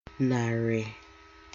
nàrị̀